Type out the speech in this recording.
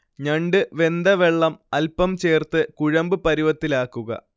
ഞണ്ട് വെന്ത വെള്ളം അൽപം ചേർത്ത് കുഴമ്പ് പരുവത്തിലാക്കുക